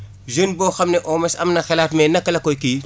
jeunes boo xam ne au moins ;:frra am na xalaat mais naka la koy kii